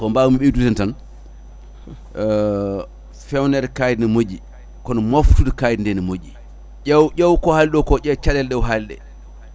ko mbawmi ɓeydude hen tan fewnede kayit ne moƴƴi kono moftude kayit nde ne moƴƴi ƴeew ƴeew ko haaliɗo ko ƴeew caɗele ɗe o haali ɗe